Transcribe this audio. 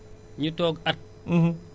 bu ma jëlee sama mbokku sàmmkat yi